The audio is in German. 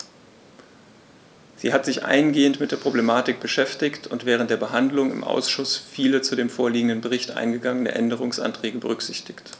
Sie hat sich eingehend mit der Problematik beschäftigt und während der Behandlung im Ausschuss viele zu dem vorliegenden Bericht eingegangene Änderungsanträge berücksichtigt.